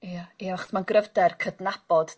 Ia diolch ma'n gryfder cydnabod...